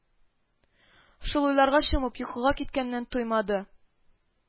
Шул уйларга чумып йокыга киткәннән тоймады